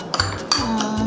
à